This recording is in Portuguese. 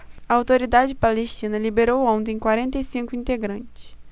a autoridade palestina libertou ontem quarenta e cinco integrantes